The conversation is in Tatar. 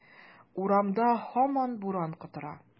Урамда һаман буран котыра.